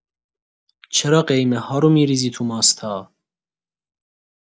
چرا قیمه‌ها رو می‌ریزی تو ماستا؟